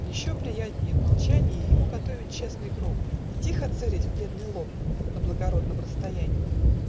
Еще приятнее в молчанье Ему готовить честный гроб И тихо целить в бледный лоб На благородном расстоянье